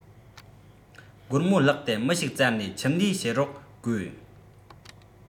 སྒོར མོ བརླག ཏེ མི ཞིག བཙལ ནས ཁྱིམ ལས བྱེད རོགས དགོས